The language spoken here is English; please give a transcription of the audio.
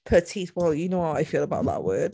Petite, well you know how I feel about that word.